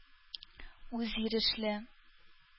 Үзйөрешле